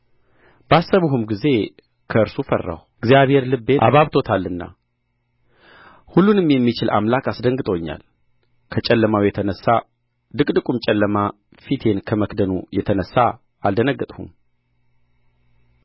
ባሰብሁም ጊዜ ከእርሱ ፈራሁ እግዚአብሔር ልቤን አባብቶታልና ሁሉንም የሚችል አምላክ አስደንግጦኛል ከጨለማው የተነሣ ድቅድቁም ጨለማ ፊቴን ከመክደኑ የተነሣ አልደነገጥሁም